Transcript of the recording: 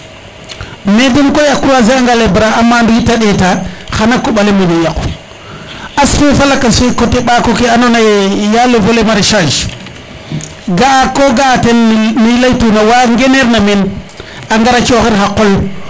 mais den koy a croiser anga les bras a mandu it a ndeta xana koɓale moƴo yaqu aspect fa lakas fe coté Mbako ke ando naye y' a le volet maraissage ga a ko ga a ten ne i ley tuna wa ngener na men a ngar coxir xa qol